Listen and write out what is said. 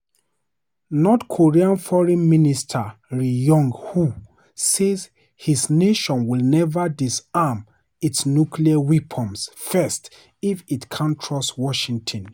North Korean Foreign Minister Ri Yong Ho says his nation will never disarm its nuclear weapons first if it can't trust Washington.